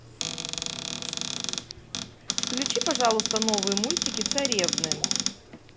включи пожалуйста новые мультики царевны